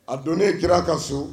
A don ne kira ka so